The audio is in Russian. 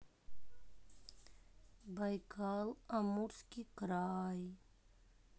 байкал амурский край